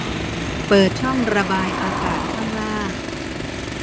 เปิดช่องระบายอากาศข้างล่าง